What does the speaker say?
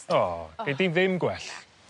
O gei di ddim gwell. Na.